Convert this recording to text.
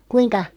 kuinka